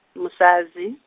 Musadzi.